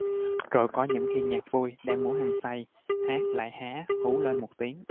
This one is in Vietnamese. rồi có những khi nhạc vui đang múa hăng say h lại há hú lên một tiếng